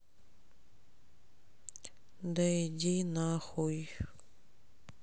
да иди нахуй